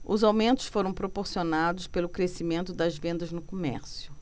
os aumentos foram proporcionados pelo crescimento das vendas no comércio